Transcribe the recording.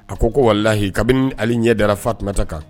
A ko ko walahi kabini ali ɲɛ dara fa tunta kan